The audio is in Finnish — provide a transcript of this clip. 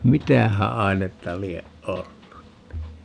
mitähän ainetta lie ollut niin